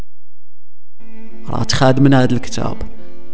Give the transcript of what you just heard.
راس خادم نادي الكتاب